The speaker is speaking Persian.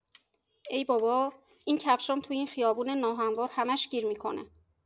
ای بابا، این کفشام تو این خیابون ناهموار همش گیر می‌کنه!